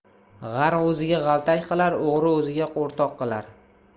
g'ar o'ziga g'altak qilar o'g'ri o'ziga o'rtoq qilar